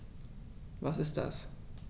Was ist das?